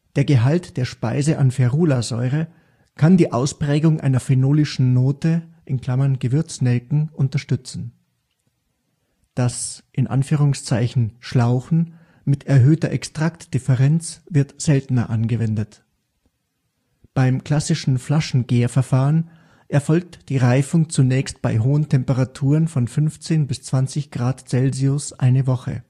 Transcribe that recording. Der Gehalt der Speise an Ferulasäure kann die Ausprägung einer phenolischen Note (Gewürznelken) unterstützen. Das „ Schlauchen “mit erhöhter Extraktdifferenz wird seltener angewendet. Beim klassischen Flaschengärverfahren erfolgt die Reifung zunächst bei hohen Temperaturen (15-20 °C, eine Woche